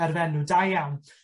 berfenw enw da iawn.